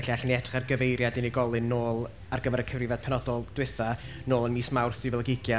Felly, allwn ni edrych ar gyfeiriad unigolyn nôl ar gyfer y cyfrifiad penodol dwytha, nôl ym mis Mawrth dwy fil ac ugain.